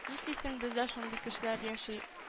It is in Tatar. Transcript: Нишлисең, бездә шундый кешеләр яши